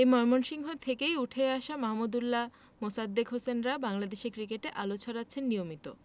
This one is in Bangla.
এ ময়মনসিংহ থেকেই উঠে আসা মাহমুদউল্লাহ মোসাদ্দেক হোসেনরা বাংলাদেশ ক্রিকেটে আলো ছড়াচ্ছেন নিয়মিত